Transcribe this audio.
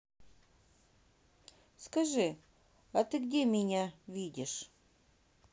скажи а ты меня где видишь